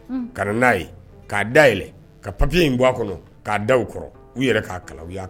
Ka n' da yɛlɛ ka papiye kɔnɔ'a da kɔrɔ u yɛrɛ k' kala